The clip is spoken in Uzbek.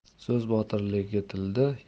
so'z botirligi tilda